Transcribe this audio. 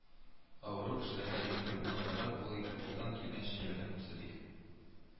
Авыру кешеләргә миһербанлырак булыйк, кулдан килгәнчә ярдәм күрсәтик